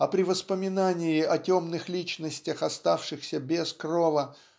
а при воспоминании о темных личностях оставшихся без крова